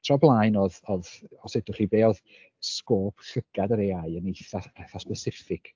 Tra o'r blaen, oedd oedd os ddeudwch chi, be oedd sgôp llygad yr AI yn eitha fatha specific.